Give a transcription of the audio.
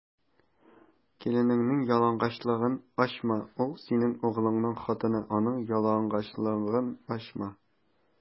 Киленеңнең ялангачлыгын ачма: ул - синең углыңның хатыны, аның ялангачлыгын ачма.